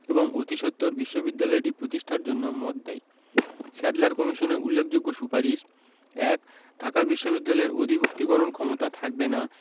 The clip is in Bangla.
এবং অতিসত্বর বিশ্ববিদ্যালয়টি প্রতিষ্ঠার জন্য মত দেয় স্যাডলার কমিশনের উল্লেখযোগ্য সুপারিশ: ১. ঢাকা বিশ্ববিদ্যালয়ের অধিভুক্তিকরণ ক্ষমতা থাকবে না